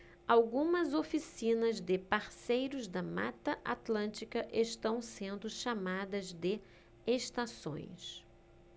algumas oficinas de parceiros da mata atlântica estão sendo chamadas de estações